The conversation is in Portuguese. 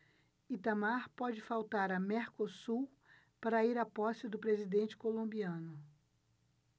itamar pode faltar a mercosul para ir à posse do presidente colombiano